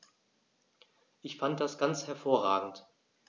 Ich fand das ganz hervorragend.